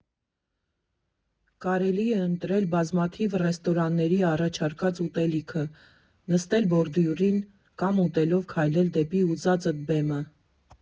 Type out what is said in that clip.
Կարելի է ընտրել բազմաթիվ ռեստորանների առաջարկած ուտելիքը, նստել բորդյուրին, կամ ուտելով քայլել դեպի ուզածդ բեմը։